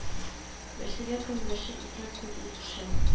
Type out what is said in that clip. Нәрсәгә көнләшә икән соң ул кеше